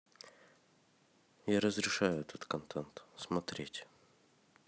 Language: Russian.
я разрешаю этот контент смотреть